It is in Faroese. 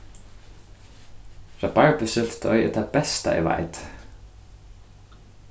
rabarbusúltutoy er tað besta eg veit